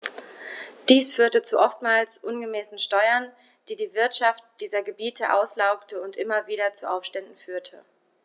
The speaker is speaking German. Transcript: Dies führte zu oftmals unmäßigen Steuern, die die Wirtschaft dieser Gebiete auslaugte und immer wieder zu Aufständen führte.